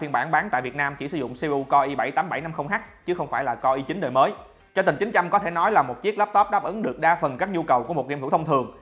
phiên bản bán tại vn chỉ sử dụng cpu core i h chứ không phải core i đời mới triton có thể nói là một chiếc laptop đáp ứng được đa phần các nhu cầu của một game thủ thông thường